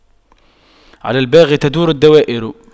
على الباغي تدور الدوائر